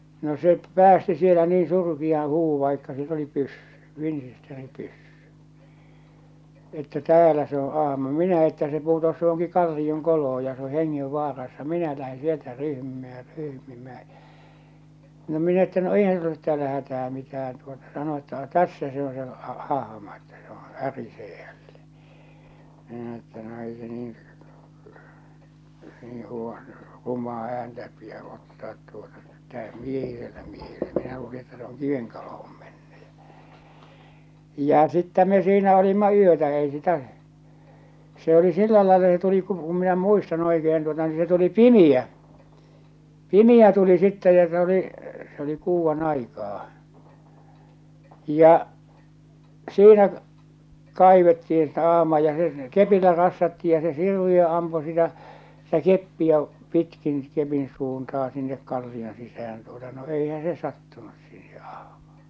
no se päästi siellä niin surkean huudon vaikka sillä oli pyssy Winchester-pyssy että täällä se on ahma minä että se putosi johonkin kallionkoloon ja se on hengenvaarassa minä lähden sieltä ryhmimään ja ryhmimään ja no minä että no eihän sinulla ole täällä hätää mitään tuota sanoi että no tässä se on se - ahma että se - ärisee hänelle minä että no ei se niin - rumaa ääntä pidä ottaa tuota täysi miehisellä miehelle minä luulin että se on kiven koloon mennyt ja ja sitten me siinä olimme yötä ei sitä se oli sillä lailla se tuli kun kun minä muistan oikein tuota niin se tuli pimeä pimeä tuli sitten ja se oli se oli kuudanaikaa ja siinä kaivettiin sitä ahmaa ja se kepillä rassattiin ja se Sirviö ampui sitä sitä keppiä pitkin kepin suuntaan sinne kallion sisään tuota no eihän se sattunut siihen ahmaan